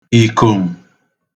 ìkòm̀